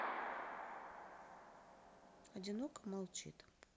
одиноко мочит